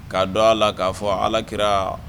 K'a dɔn a la k'a fɔ alakira